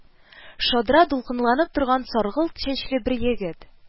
Шадра, дулкынланып торган саргылт чәчле бер егет: